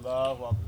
Bala